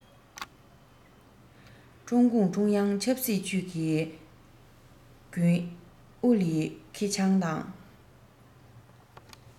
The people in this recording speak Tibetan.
ཀྲུང གུང ཀྲུང དབྱང ཆབ སྲིད ཅུས ཀྱི རྒྱུན ཨུ ལི ཁེ ཆང དང